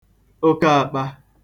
oke ākpā